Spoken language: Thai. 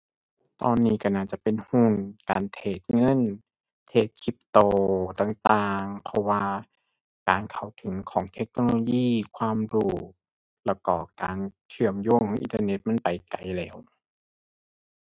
ตอนนี้ก็น่าจะเป็นหุ้น การเทรดเงิน เทรดคริปโตต่างต่าง เพราะว่าการเข้าถึงของเทคโนโลยี ความรู้ แล้วก็การเชื่อมโยงในอินเทอร์เน็ตมันไปไกลแล้ว